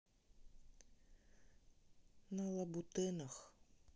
на лабутенах